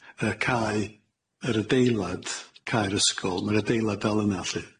yy cau yr adeilad, cau'r ysgol, ma'r adeilad dal yna lly.